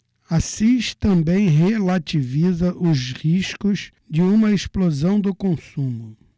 assis também relativiza os riscos de uma explosão do consumo